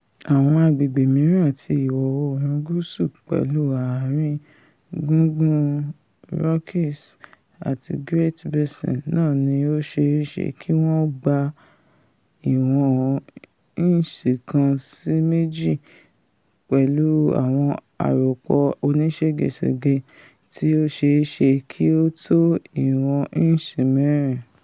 Àwọn agbègbè̀̀ mìíràn ti Ìwọ-oòrùn Gúúsù pẹ̀lú ààrin gúngún Rockies àti Great Basin náà ní ó ṣeé ṣe kí wọ́n gba ìwọn 1 sí 2, pẹ̀lú àwọn àropọ̀ onísége-sège tí ó ṣeé ṣe kí ó tó ìwọ̀n 4.